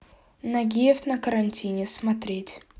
нагиев на карантине смотреть